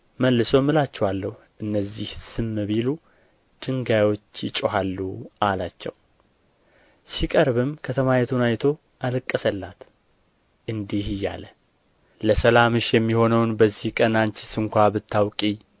መልሶም እላችኋለሁ እነዚህ ዝም ቢሉ ድንጋዮች ይጮኻሉ አላቸው ሲቀርብም ከተማይቱን አይቶ አለቀሰላት እንዲህ እያለ ለሰላምሽ የሚሆነውን በዚህ ቀን አንቺስ ስንኳ ብታውቂ